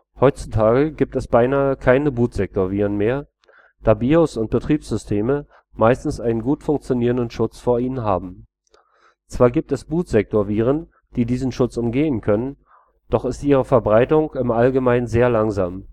Heutzutage gibt es beinahe keine Bootsektorviren mehr, da BIOS und Betriebssysteme meistens einen gut funktionierenden Schutz vor ihnen haben. Zwar gibt es Bootsektorviren, die diesen Schutz umgehen können, doch ist ihre Verbreitung im Allgemeinen sehr langsam